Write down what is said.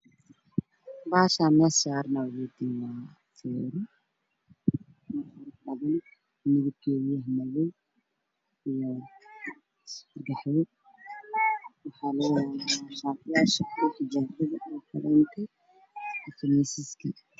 Halkaan waxaa yaalo armaajooyin kalarkisu yahay jaale iyo sariir kalarkisu yahay qaxwi